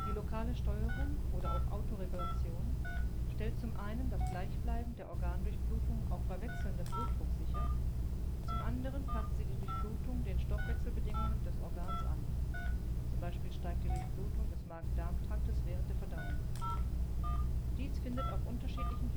lokale Steuerung oder auch Autoregulation stellt zum einen das Gleichbleiben der Organdurchblutung auch bei wechselndem Blutdruck sicher, zum anderen passt sie die Durchblutung den Stoffwechselbedingungen des Organs an (zum Beispiel steigt die Durchblutung des Magen-Darm-Traktes während der Verdauung). Dies findet auf unterschiedlichen